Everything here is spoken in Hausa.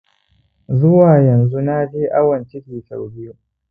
zuwa yanzu naje awon ciki sau biyu